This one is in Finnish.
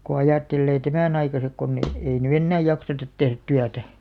kun ajattelee tämän aikaiset kun - ei nyt enää jakseta tehdä työtä